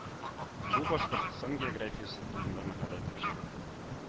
Бу Башкортстан географиясе турында мәкалә төпчеге